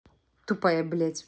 тупая блядь